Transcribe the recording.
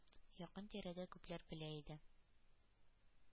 Якын-тирәдә күпләр белә иде.